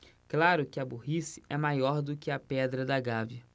claro que a burrice é maior do que a pedra da gávea